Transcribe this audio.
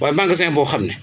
waaye magasin boo xam ne